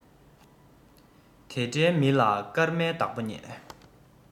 དེ འདྲས མི ལ སྐར མའི བདག པོ རྙེད